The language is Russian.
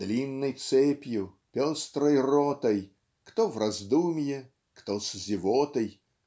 Длинной цепью, пестрой ротой, Кто в раздумье, кто с зевотой.